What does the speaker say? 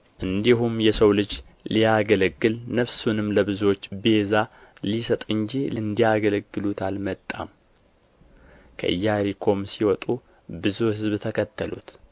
እንዲሁም የሰው ልጅ ሊያገለግል ነፍሱንም ለብዙዎች ቤዛ ሊሰጥ እንጂ እንዲያገለግሉት አልመጣም ከኢያሪኮም ሲወጡ ብዙ ሕዝብ ተከተሉት